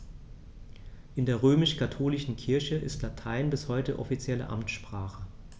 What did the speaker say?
In der römisch-katholischen Kirche ist Latein bis heute offizielle Amtssprache.